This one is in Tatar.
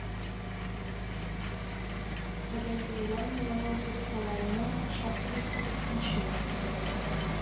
Гобәйдулла муллага Зур Кавалның шактый зур икенче